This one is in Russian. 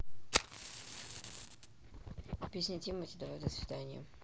песня тимати давай до свидания